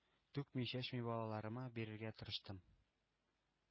Түкми-чәчми балаларыма бирергә тырыштым.